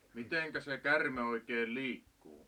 miten se käärme oikein liikkuu